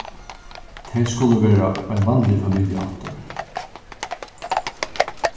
tey skulu verða ein vanlig familja aftur